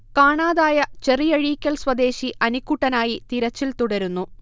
കാണാതായ ചെറിയഴീക്കൽ സ്വദേശി അനിക്കുട്ടനായി തിരച്ചിൽ തുടരുന്നു